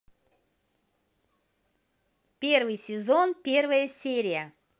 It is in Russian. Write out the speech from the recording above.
первый сезон первая серия